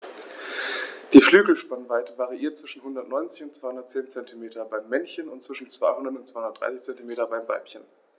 Die Flügelspannweite variiert zwischen 190 und 210 cm beim Männchen und zwischen 200 und 230 cm beim Weibchen.